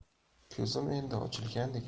ko'zim endi ochilgandek